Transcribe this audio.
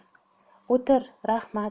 o'tir rahmat